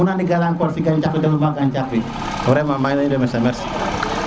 mën na andi galankor si gancax bi te du mat gancax bi vraiment mang leen di remercier